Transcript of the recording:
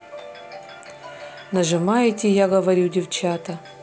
нажимаете я говорю девчата